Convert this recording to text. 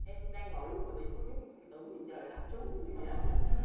em đang ngủ mà tự nhiên có giống như tưởng như trời đập xuống vậy đó